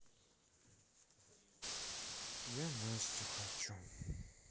я настю хочу